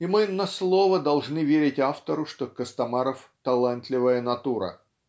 и мы на слово должны верить автору что Костомаров талантливая натура.